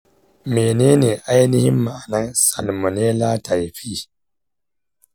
menene ainihin ma’anar salmonella typhi?